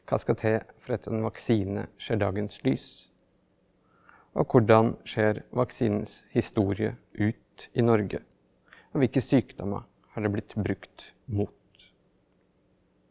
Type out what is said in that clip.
hva skal til for at en vaksine ser dagens lys, og hvordan ser vaksinens historie ut i Norge, og hvilke sykdommer har det blitt brukt mot?